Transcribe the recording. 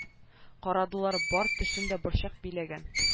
Карадылар бар төшен дә борчак биләгән